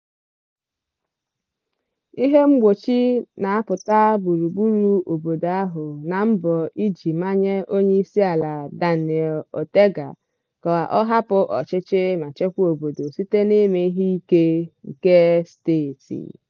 Ihe mgbochi na-apụta gburugburu obodo ahụ na mbọ iji manye Onyeisiala Daniel Ortega ka ọ hapụ ọchịchị ma chekwaa obodo site n'ime ihe ike nke steeti.